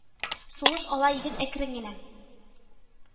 Сулыш ала егет әкрен генә